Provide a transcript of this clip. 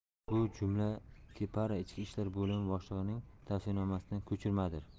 bu jumla depara ichki ishlar bo'limi boshlig'ining tavsiyanomasidan ko'chirmadir